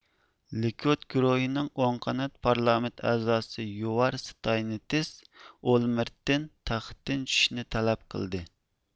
لىكۇد گۇرۇھىنىڭ ئوڭ قانات پارلامېنت ئەزاسى يۇۋار ستاينىتىس ئولمېىرتتىن تەختتىن چۈشۈشنى تەلەپ قىلدى